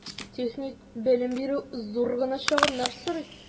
Техник белем бирү зур гына чыгымнар сорый.